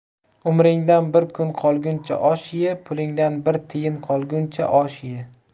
umringdan bir kun qolguncha osh ye pulingdan bir tiyin qolguncha osh ye